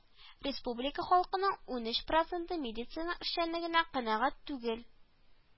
Республика халкының унөч проценты милициянең эшчәнлегеннән канәгать түгел